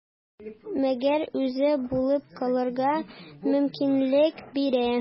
Мәгәр үзе булып калырга мөмкинлек бирә.